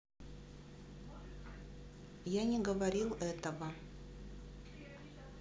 я не говорил этого